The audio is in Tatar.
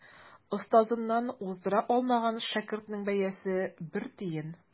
Остазыннан уздыра алмаган шәкертнең бәясе бер тиен.